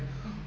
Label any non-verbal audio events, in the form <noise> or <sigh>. <hesitation> <hesitation>